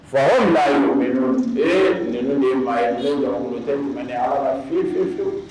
Fa maa ni maaya ni mande ala la fiwu